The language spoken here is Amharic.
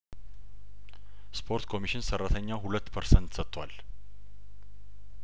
ስፖርት ኮሚሽን ሰራተኛው ሁለት ፐርሰንት ሰጥቷል